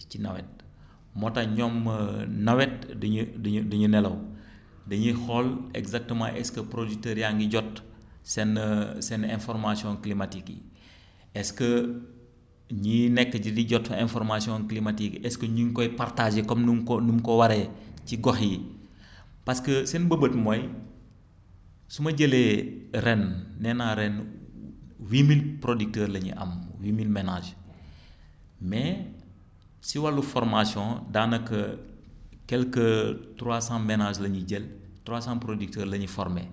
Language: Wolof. ci nawet moo tax ñoom nawet du ñu du ñu du ñu nelaw da ñuy xool exactement est que poducteur yaa ngi jot seen seen information climatique yi est ce ñii nekk di jot information climatique yi est que ñu ngi koy partager comme ni mu ko ni mu ko waree ci gox yi parce que seen mbëbët mooy su ma jëlee ren nee naa ren huit mille producteurs la ñu am huit mille ménages mais si wàllu formation daanaka quelque trois cent ménages la ñu jël trois cent producteurs lañu former